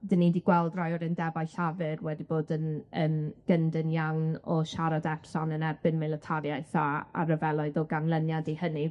'dyn ni di gweld rai o'r undebau llafur wedi bod yn yn gyndyn iawn o siarad allan yn erbyn militariaeth a a ryfeloedd o ganlyniad i hynny.